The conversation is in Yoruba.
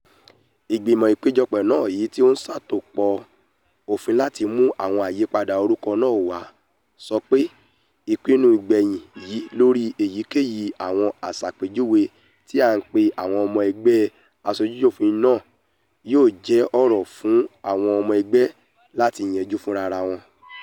Ìgbìmọ̀ Ìpéjọpọ̀ náà, èyítí ó ń ṣàtópọ òfin láti mú àwọn àyípadà orúkọ náà wá, sọpe: “Ìpinnu ìgbẹ̀yìn yìí lóri èyikẹ́yìí àwọn àṣàpèjúwe tí a pè àwọn Ọmọ Ẹgbẹ́ Aṣojú-ṣòfin náà ni yóò jẹ ọ̀rọ̀ fún àwọn ọmọ ẹgbẹ́ láti yanjú fúnrarawọn.”